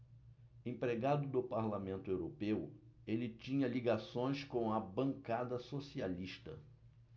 empregado do parlamento europeu ele tinha ligações com a bancada socialista